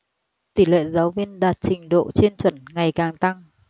tỉ lệ giáo viên đạt trình độ trên chuẩn ngày càng tăng